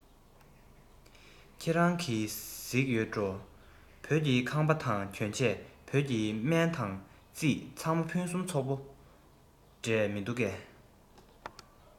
ཁྱེད རང གིས གཟིགས ཡོད འགྲོ བོད ཀྱི ཁང པ དང གྱོན ཆས བོད ཀྱི སྨན དང རྩིས ཚང མ ཕུན སུམ ཚོགས པོ འདྲས མི འདུག གས